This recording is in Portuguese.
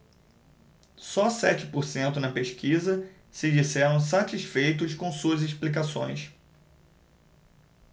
só sete por cento na pesquisa se disseram satisfeitos com suas explicações